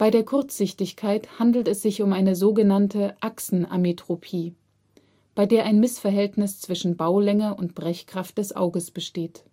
der Kurzsichtigkeit handelt es sich um eine so genannte Achsen-Ametropie, bei der ein Mißverhältnis zwischen Baulänge und Brechkraft des Auges besteht